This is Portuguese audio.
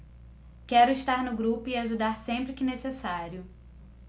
quero estar no grupo e ajudar sempre que necessário